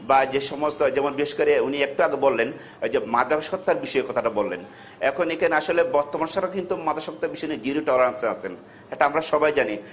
বা যে সমস্ত উনি একটু আগে বললেন মাদকাসক্তির বিষয়টা বললেন এখন এখানে আসলে বর্তমান সরকার কিন্তু মাদকাসক্তি জিরো টলারেন্সে আছে এটা আমরা সবাই জানি